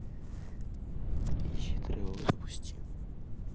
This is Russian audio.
изи тревел запусти